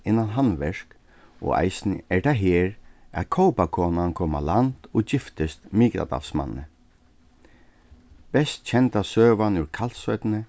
innan handverk og eisini er tað her at kópakonan kom á land og giftist mikladalsmanni best kenda søgan úr kalsoynni